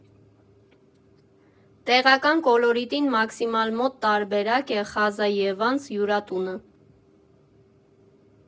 Տեղական կոլորիտին մաքսիմալ մոտ տարբերակ է «Խազայեվանց հյուրատունը»։